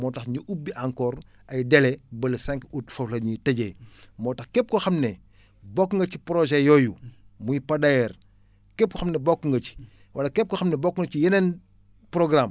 moo tax ñu ubbi encore ay délais ba le 5 août foofu la ñuy tëjee moo tax képp koo xam ne bokk nga ci projet yooyu muy Pader képp koo xam ne bokk nga ci wala képp koo xam ne bokk na ci yeneen programmes